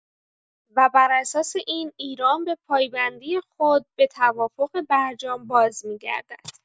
و بر اساس این، ایران به پایبندی خود به توافق برجام بازمی‌گردد.